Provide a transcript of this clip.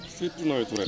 surtout nawetu ren